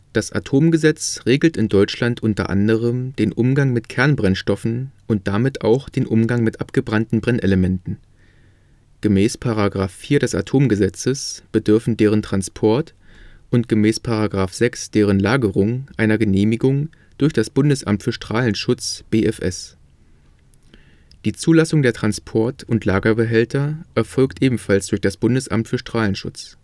Das Atomgesetz regelt in Deutschland u. a. den Umgang mit Kernbrennstoffen und damit auch den Umgang mit abgebrannten Brennelementen. Gemäß § 4 Atomgesetz bedürfen deren Transport und gemäß § 6 deren Lagerung einer Genehmigung durch das Bundesamt für Strahlenschutz (BfS). Die Zulassung der Transport - und Lagerbehälter erfolgt durch das Bundesamt für Strahlenschutz